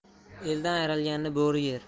eldan ayrilganni bo'ri yer